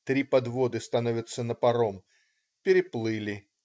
Три подводы становятся на паром. Переплыли.